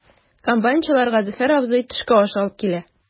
Комбайнчыларга Зөфәр абзый төшке аш алып килә.